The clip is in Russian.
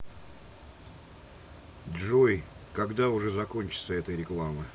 джой когда уже закончится эта реклама